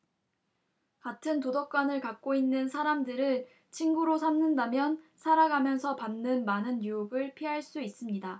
같은 도덕관을 갖고 있는 사람들을 친구로 삼는다면 살아가면서 받는 많은 유혹을 피할 수 있습니다